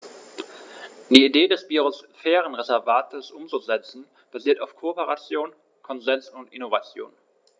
Die Idee des Biosphärenreservates umzusetzen, basiert auf Kooperation, Konsens und Innovation.